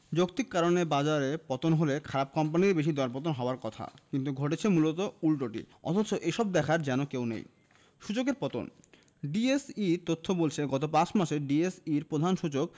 যৌক্তিক কারণে বাজারে পতন হলে খারাপ কোম্পানিরই বেশি দরপতন হওয়ার কথা কিন্তু ঘটছে মূলত উল্টোটি অথচ এসব দেখার যেন কেউ নেই সূচকের পতন ডিএসইর তথ্য বলছে গত ৫ মাসে ডিএসইর প্রধান সূচক